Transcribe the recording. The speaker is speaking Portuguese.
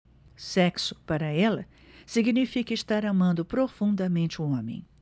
sexo para ela significa estar amando profundamente um homem